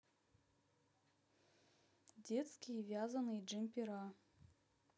детские вязаные джемпера